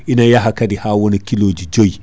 ina yaaha kaadi ha wona kiloji jooyi